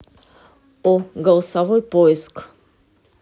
о голосовой поиск